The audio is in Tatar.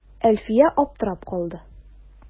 Әлфия аптырап калды.